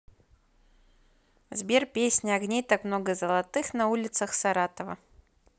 сбер песня огней так много золотых на улицах саратова